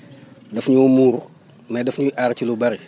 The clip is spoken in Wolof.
daf ñoo muuroo mais daf ñuy aar ci lu bëri